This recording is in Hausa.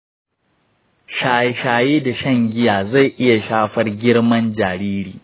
shaye shaye da shan giya zai iya shafar girman jariri